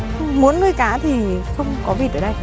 muốn nuôi cá thì không có vịt ở đây